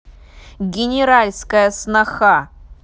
генеральская сноха